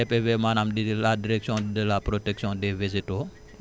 DPV maanaam di di la direction de la protection des végétaux